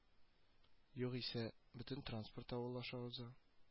Югыйсә, бөтен транспорт авыл аша уза